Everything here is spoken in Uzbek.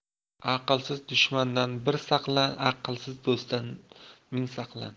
aqlsiz dushmandan bir saqlan aqlsiz do'stdan ming saqlan